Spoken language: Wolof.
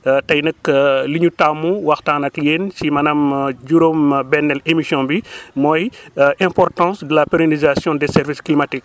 tey nag li ñu taamu waxtaan ak yéen si maanaam juróom-benneel émission bi mooy importance de la pérénisation de service climatique